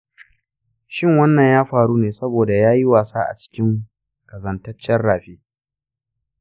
shin wannan ya faru ne saboda ya yi wasa a cikin ƙazataccen rafi?